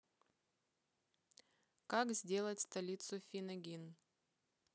как сделать столицу финагин